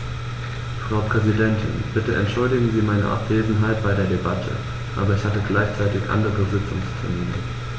Frau Präsidentin, bitte entschuldigen Sie meine Abwesenheit bei der Debatte, aber ich hatte gleichzeitig andere Sitzungstermine.